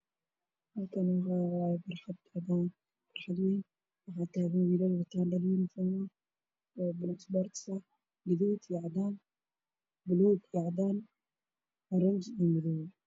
Meeshaan waa meel garoona waxaa ku ciyaarayo wiil fara badan waxay wataan dhar gaduud iyo balug ah